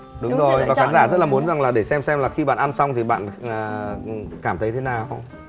đúng rồi và khán giả rất là muốn rằng là để xem xem là khi bạn ăn xong thì bạn à cảm thấy thế nào